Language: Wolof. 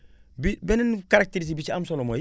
bi beneen caractéristique bi ci am solo mooy